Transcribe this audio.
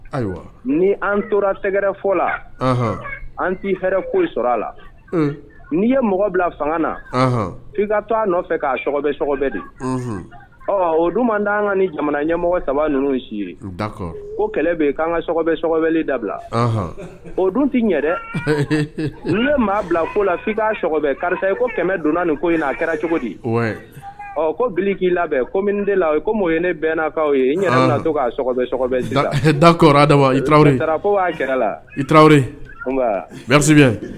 Ayiwa ni an tora tɛɛrɛ fɔ la an t'i sɔrɔ a la n'i ye mɔgɔ bila fanga na' ka to nɔfɛ' di o an ka ni jamana ɲɛmɔgɔ saba ninnu ko kɛlɛ bɛ'an kabɛbɛ dabila o dun t tɛi ɲɛ dɛ n bɛ maa bila ko la' k'abɛ karisa ye ko kɛmɛ donnana nin ko in a kɛra cogo di ɔ ko bi k'i labɛn la ye ne bɛn n'kaw ye' daa la i